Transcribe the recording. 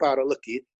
bar o lygud.